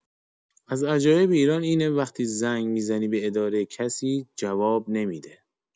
از عجایب ایران اینه وقتی زنگ می‌زنی به اداره کسی جواب نمی‌ده!